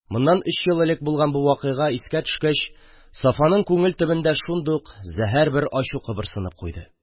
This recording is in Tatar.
Моннан өч ел элек булган бу вакыйга искә төшкәч, Сафаның күңел төбендә шундук зәһәр бер ачу кыбырсынып куйды.